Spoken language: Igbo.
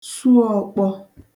su ọkpọ